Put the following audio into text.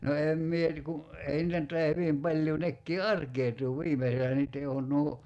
no en minä niin kun ei niitä nyt taida hyvin paljoa nekin arkautuu viimeisellä niiden on nuo